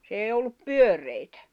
se ei ollut pyöreitä